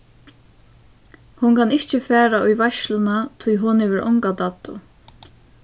hon kann ikki fara í veitsluna tí hon hevur onga daddu